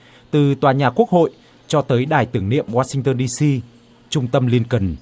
từ tòa nhà quốc hội cho tới đài tưởng niệm oa sinh tơn đi xi trung tâm lin cừn